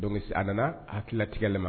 Don a nana a tilatigɛɛlɛ ma